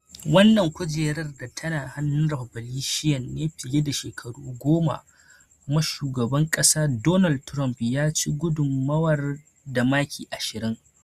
Wannan kujerar da tana hannun Republican ne fiye da shekaru goma, kuma shugaban kasa Donald Trump ya ci gundumar da maki 20.